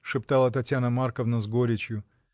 — шептала Татьяна Марковна с горечью.